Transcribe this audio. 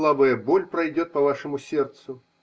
слабая боль пройдет по вашему сердцу.